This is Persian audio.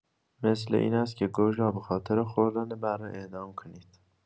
مثل این است که گرگ را به‌خاطر خوردن بره اعدام کنید.